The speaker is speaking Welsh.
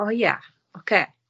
O ia, oce.